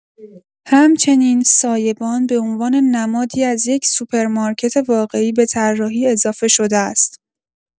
همچنین، «سایه‌بان» به عنوان نمادی از یک سوپرمارکت واقعی به طراحی اضافه شده است.